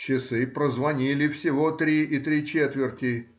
часы прозвонили всего три и три четверти.